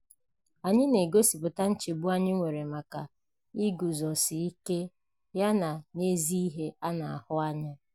Anyị na-egosipụta nchegbu anyị nwere maka igụzọsi ike ya n'ezi ihe a na-ahụ anya.